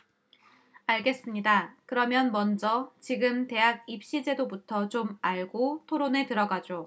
알겠습니다 그러면 먼저 지금 대학입시제도부터 좀 알고 토론에 들어가죠